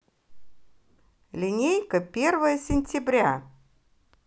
линейка первое сентября